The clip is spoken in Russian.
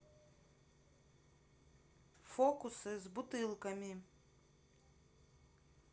фокусы с бутылками